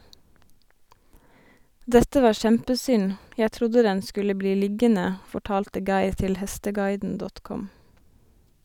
- Dette var kjempesynd, jeg trodde den skulle bli liggende, fortalte Geir til hesteguiden.com.